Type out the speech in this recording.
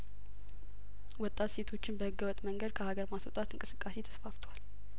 ወጣት ሴቶችን በህገ ወጥ መንገድ ከሀገር ማስወጣት እንቅስቃሴ ተስፋፍቷል